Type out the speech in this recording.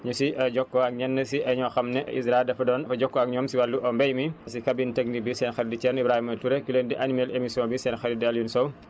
ñu siy jokkoo ak ñenn si ñoo xam ne ISRA dafa doon ba jokkoo ak ñoom si wàllu mbéy mi si cabine technique bi seen xarit di Thierno Ibrahima Touré ki leen di animé émission bi seen xarit di Aliou Sow